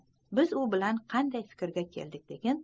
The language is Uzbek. biz u bilan qanday fikrga keldik degin